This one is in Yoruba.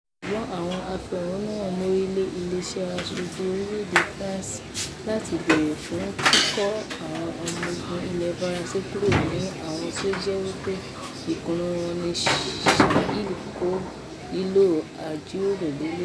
Ṣùgbọ́n àwọn afẹ̀hónú hàn mórí lé Ilé Iṣẹ́ Aṣojú orílẹ̀-èdè France láti bèèrè fún kíkó àwọn ọmọ ogún ilẹ̀ Faransé kúrò ní àwọn tí ó jẹ́ wípé ìkùná wọn ní Sahel kò nílò àńjíròrò lé lórí.